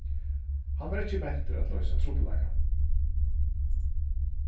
hann var ikki mentur at loysa trupulleikan